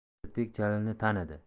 asadbek jalilni tanidi